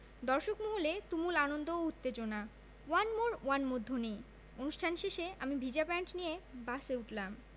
দর্শক মহলে তুমুল আনন্দ ও উত্তেজনাওয়ান মোর ওয়ান মোর ধ্বনি অনুষ্ঠান শেষে আমি ভিজা প্যান্ট নিয়ে বাসে উঠলাম